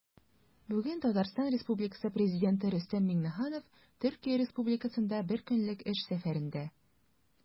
Бүген Татарстан Республикасы Президенты Рөстәм Миңнеханов Төркия Республикасында бер көнлек эш сәфәрендә.